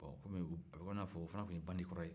bon a bɛ inafɔ o fana tun ye bandi kɔrɔ ye